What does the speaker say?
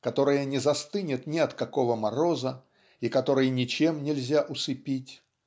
которая не застынет ни от какого мороза и которой ничем нельзя усыпить.